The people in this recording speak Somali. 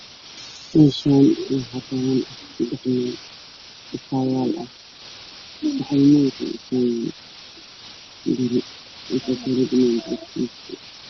Meeshaan waxaa taagan sadex nin oo caseeyaal ah waxayna wataan kabo badan